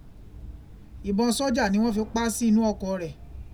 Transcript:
Ìbọn sọ́jà ni wọ́n fi pà á sí inú ọkọ̀ rẹ̀.